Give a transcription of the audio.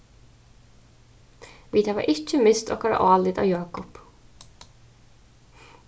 vit hava ikki mist okkara álit á jákup